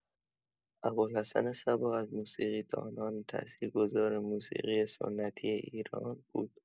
ابوالحسن صبا از موسیقی‌دانان تأثیرگذار موسیقی سنتی ایران بود.